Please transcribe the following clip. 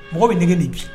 Mɔgɔ bɛ ne nin bi